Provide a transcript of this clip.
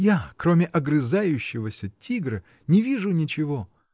Я, кроме огрызающегося тигра, не вижу ничего.